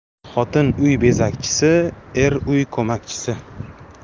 xotin uy bezakchisi er uy ko'makchisi